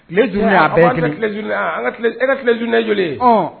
Jj alalejej ye